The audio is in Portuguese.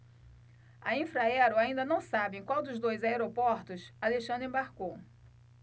a infraero ainda não sabe em qual dos dois aeroportos alexandre embarcou